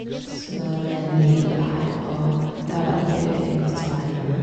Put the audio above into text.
sånå Med nydelig vær, og det var veldig godt å være hjemme.